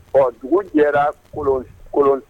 Ɔ dugu jɛra kolon kolon